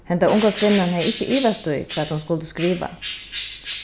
hendan unga kvinnan hevði ikki ivast í hvat hon skuldi skriva